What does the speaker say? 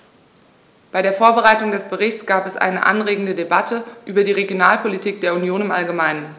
Bei der Vorbereitung des Berichts gab es eine anregende Debatte über die Regionalpolitik der Union im allgemeinen.